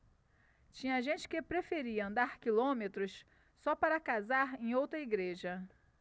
tinha gente que preferia andar quilômetros só para casar em outra igreja